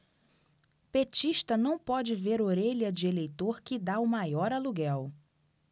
petista não pode ver orelha de eleitor que tá o maior aluguel